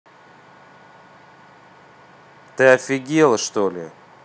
ты офигела чтоли